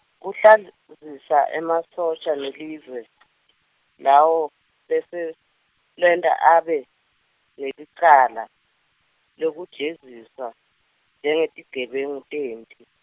Kuhlali- -lizisa emasotja nelive lawo bese lenta abe nelicala lwekujeziswa njengetigebengu temphi.